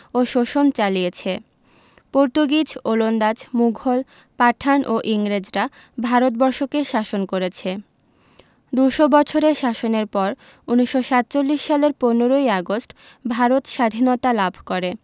ও শোষণ চালিয়েছে পর্তুগিজ ওলন্দাজ মুঘল পাঠান ও ইংরেজরা ভারত বর্ষকে শাসন করেছে দু'শ বছরের শাসনের পর ১৯৪৭ সালের ১৫ ই আগস্ট ভারত সাধীনতা লাভ করে